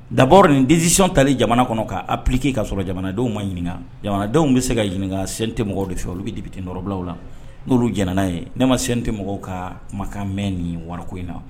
Dabɔri nin dision tali jamana kɔnɔ kaa ppiki kaa sɔrɔ jamanadenw ma ɲininka jamanadenw bɛ se ka ɲininka sen tɛ mɔgɔw de fɛ olu bɛ bi tɛɔrɔbila la n'olu jɛnɛ ye ne ma sen tɛ mɔgɔw ka kumakan mɛn nin wari ko in na